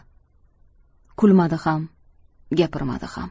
kulmadi ham gapirmadi ham